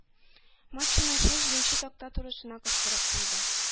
Матчаның шул җиденче такта турысына кыстырып куйды.